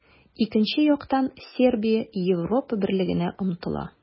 Икенче яктан, Сербия Европа Берлегенә омтыла.